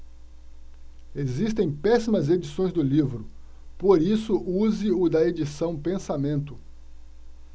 existem péssimas edições do livro por isso use o da edição pensamento